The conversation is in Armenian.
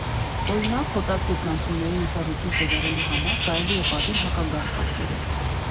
Օրինակ՝ հոտած գետնանցումներին ուշադրություն սևեռելու համար կարելի է պատին հակագազ պատկերել։